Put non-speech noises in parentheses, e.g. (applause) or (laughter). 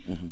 (hesitation) (hesitation)